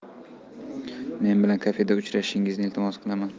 men bilan kafeda uchrashingizni iltimos qilaman